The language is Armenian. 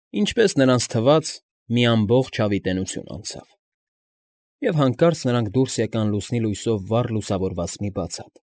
Ինչպես նրանց թվաց, մի ամբողջ հավիտենություն անցավ, և հանկարծ նրանք դուրս եկան լուսնի լույսով վառ լուսավորված մի բացատ։